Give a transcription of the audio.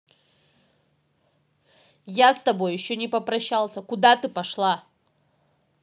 я с тобой еще не попрощался куда ты пошла